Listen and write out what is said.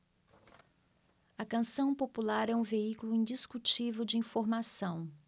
a canção popular é um veículo indiscutível de informação